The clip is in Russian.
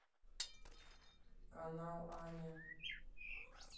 канал аня